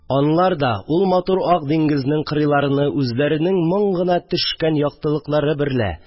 Анлар да, ул матур ак диңгезнең кырыыларыны үзләренең моң гына төшкән яктылыклары берлә